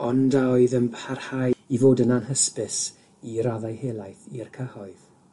ond a oedd yn parhau i fod yn anhysbys i raddau helaeth i'r cyhoedd.